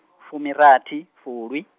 fumirathi fulwi.